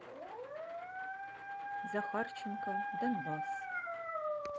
захарченко донбасс